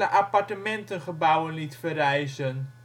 appartementengebouwen liet verrijzen